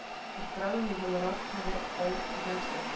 Эстраданы елларга кадәр алып килгән ул